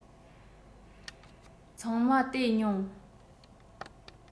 ཚང མ བལྟས མྱོང